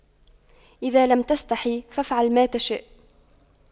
اذا لم تستحي فأفعل ما تشاء